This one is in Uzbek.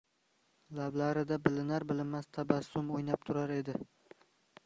lablarida bilinar bilinmas tabassum o'ynab turar edi